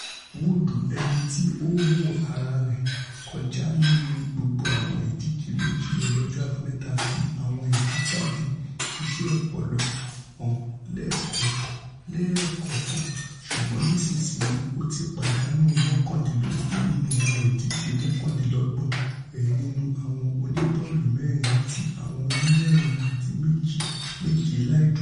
Woods, ẹnití ó wọ́ ara rẹ̀ kọjà nínú gbogbo àwọn ìdíje méji lọ́jọ́ Àbámẹ́ta, fi àwọn ìbújade iṣẹ́ ọpọlọ hàn lẹ́ẹ̀kọ̀kan ṣùgbọ́n nísinsìnyí ó ti pàdánù mọ́kàndínlógún nínú àwọn ìdíje mọ́kàndínlọ́gbọ̀n rẹ̀ nínú àwọn oníbọ́ọ̀lù-mẹ́rin àti àwọn onímẹ́rin àti méje láìdúró.